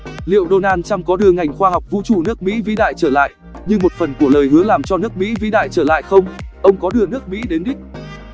liệu donald trump có đưa ngành khoa học vũ trụ nước mỹ vĩ đại trở lại như một phần của lời hứa làm cho nước mỹ vĩ đại trở lại không ông có đưa nước mỹ đến đích